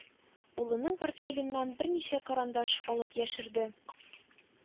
Улының портфеленнән берничә карандаш алып яшерде.